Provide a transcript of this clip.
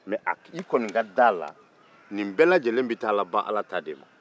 mɛ a tigi kɔni ka d'a ka d'a la nin bɛɛ bɛ laban ala ta de la